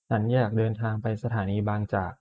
ฉันอยากเดินทางไปสถานีบางจาก